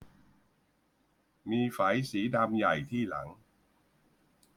มีไฝสีดำใหญ่ที่หลัง